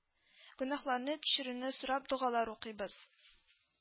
Гөнаһларны кичерүне сорап догалар укыйбыз